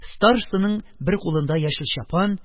Старостаның бер кулында яшел чапан